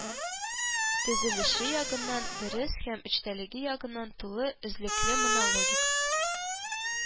Төзелеше ягыннан дөрес һəм эчтəлеге ягыннан тулы, эзлекле монологик